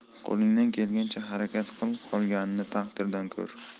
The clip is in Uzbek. qo'lingdan kelgancha harakat qil qolganini taqdirdan ko'r